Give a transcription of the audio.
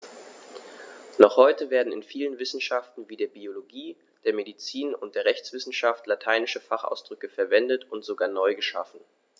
Noch heute werden in vielen Wissenschaften wie der Biologie, der Medizin und der Rechtswissenschaft lateinische Fachausdrücke verwendet und sogar neu geschaffen.